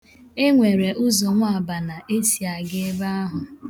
Enwere ụzọnwabana esi aga ebe ahụ.